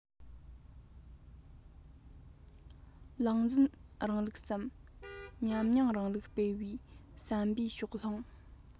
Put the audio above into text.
ལུང འཛིན རིང ལུགས སམ ཉམས མྱོང རིང ལུགས སྤེལ བའི བསམ པའི ཕྱོགས ལྷུང